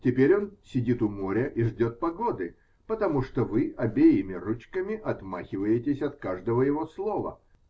Теперь он сидит у моря и ждет погоды, потому что вы обеими ручками отмахиваетесь от каждого его слова.